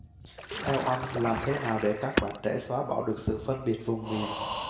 theo oanh làm thế nào để các bạn trẻ xóa bỏ được sự phân biệt vùng miền